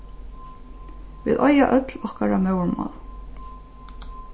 vit eiga øll okkara móðurmál